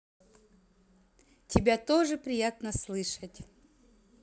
тебя тоже приятно слышать